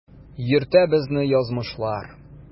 Йөртә безне язмышлар.